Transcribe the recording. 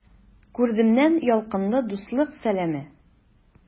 Күрдемнән ялкынлы дуслык сәламе!